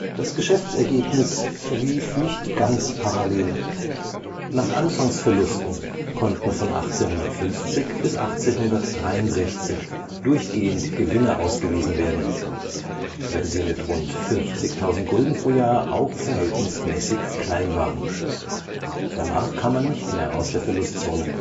Das Geschäftsergebnis verlief nicht ganz parallel. Nach Anfangsverlusten konnten von 1850 bis 1863 durchgehend Gewinne ausgewiesen werden, wenn sie mit rund 50.000 Gulden pro Jahr auch verhältnismäßig klein waren. Danach kam man nicht mehr aus der Verlustzone